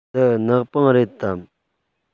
འདི ནག པང རེད དམ